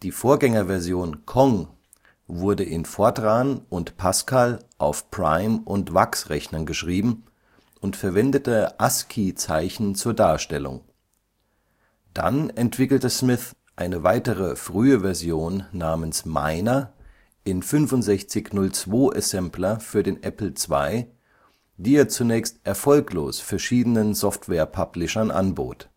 Vorgängerversion Kong wurde in Fortran und Pascal auf Prime und VAX Rechnern geschrieben und verwendete ASCII-Zeichen zur Darstellung. Dann entwickelte Smith eine weitere frühe Version namens Miner in 6502-Assembler für den Apple II, die er zunächst erfolglos verschiedenen Softwarepublishern anbot